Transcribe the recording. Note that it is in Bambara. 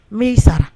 N b'i sara